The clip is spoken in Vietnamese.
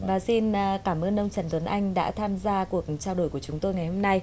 và xin cảm ơn ông trần tuấn anh đã tham gia cuộc trao đổi của chúng tôi ngày hôm nay